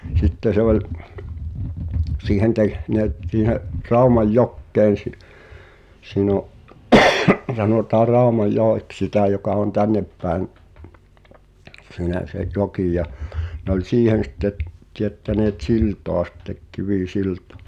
sitten se oli siihen tehneet siihen Raumanjokeen - siinä on sanotaan Raumanjoeksi sitä joka on tännepäin sinä se joki ja no oli siihen sitten teettäneet siltaa sitten kivisiltaa